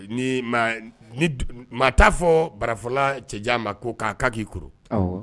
Ni maa t'a fɔ barafɔla cɛ ma ko k'a ka k'i kɔrɔ